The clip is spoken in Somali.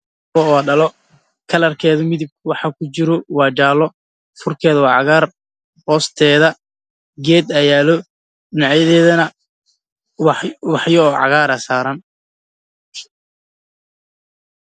Waa dhalo geed ayey saarantahay dhagax